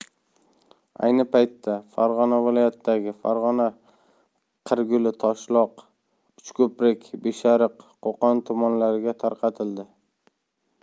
ayni paytda farg'ona viloyatidagi farg'ona qirguli toshloq uchko'prik beshariq qo'qon tumanlariga tarqatildi